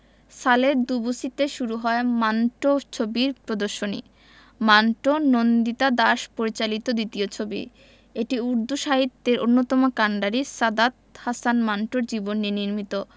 সালে দুবুসিতে শুরু হয় মান্টো ছবির প্রদর্শনী মান্টো নন্দিতা দাস পরিচালিত দ্বিতীয় ছবি এটি উর্দু সাহিত্যের অন্যতম কান্ডারি সাদাত হাসান মান্টোর জীবন নিয়ে নির্মিত